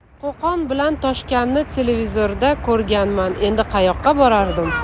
qo'qon bilan toshkanni televizorda ko'rganman endi qayoqqa borardim